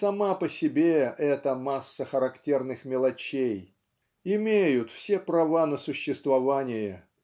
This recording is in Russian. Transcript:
сама по себе эта масса характерных мелочей имеют все права на существование